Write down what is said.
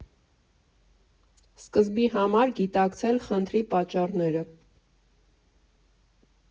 Սկզբի համար գիտակցել խնդրի պատճառները։